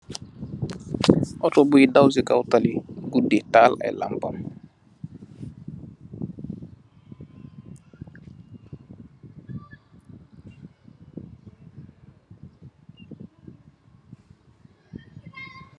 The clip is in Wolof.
Otto bui daw ci kaw tali gudi tahal ay lampam.